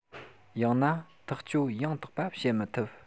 ཡང ན ཐག གཅོད ཡང དག པ བྱེད མི ཐུབ